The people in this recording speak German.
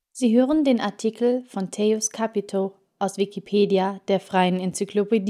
Sie hören den Artikel Fonteius Capito, aus Wikipedia, der freien Enzyklopädie